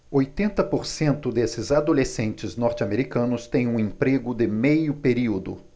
oitenta por cento desses adolescentes norte-americanos têm um emprego de meio período